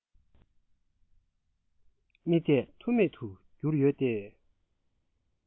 མི གཏད ཐུ མེད དུ གྱུར ཡོད དེ